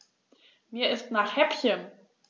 Mir ist nach Häppchen.